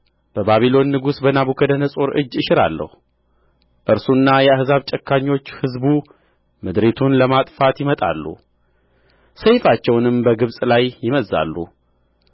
በባቢሎን ንጉሥ በናቡከደነፆር እጅ እሽራለሁ እርሱና የአሕዛብ ጨካኞች ሕዝቡ ምድሪቱን ለማጥፋት ይመጣሉ ሰይፋቸውንም በግብጽ ላይ ይመዝዛሉ